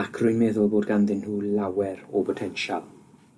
ac rwy'n meddwl bod ganddyn nhw lawer o botensial.